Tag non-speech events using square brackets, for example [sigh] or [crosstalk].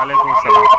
waaleykum salaam [noise]